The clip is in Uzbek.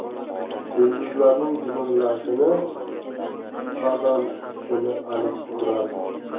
yulduzlarning jimirlashini bazan uchishini aniq ko'rardi